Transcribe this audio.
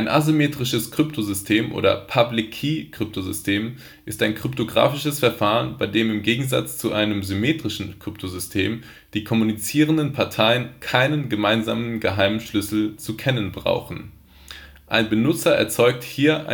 asymmetrisches Kryptosystem oder Public-Key-Kryptosystem ist ein kryptographisches Verfahren, bei dem im Gegensatz zu einem symmetrischen Kryptosystem die kommunizierenden Parteien keinen gemeinsamen geheimen Schlüssel zu kennen brauchen. Ein Benutzer erzeugt hier